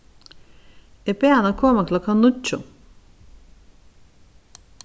eg bað hana koma klokkan níggju